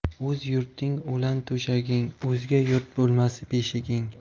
o'z yurting o'lan to'shaging o'zga yurt bo'lmas beshiging